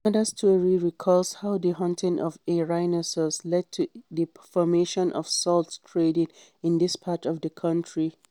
Another story recalls how the hunting of a rhinoceros led to the formation of salt trading in this part of the country.